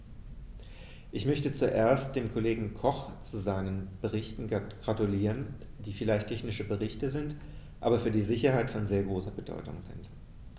Ich möchte zuerst dem Kollegen Koch zu seinen Berichten gratulieren, die vielleicht technische Berichte sind, aber für die Sicherheit von sehr großer Bedeutung sind.